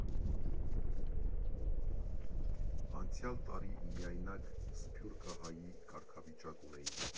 Անցյալ տարի միայնակ սփյուռքահայի կարգավիճակ ունեի։